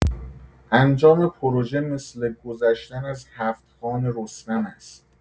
انجام پروژه مثل گذشتن از هفت‌خان رستم است.